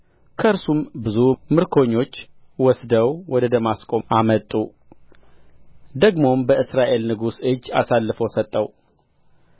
ከእርሱም ብዙ ምርኮኞች ወስደው ወደ ደማስቆ አመጡ ደግሞም በእስራኤል ንጉሥ እጅ አሳልፎ ሰጠው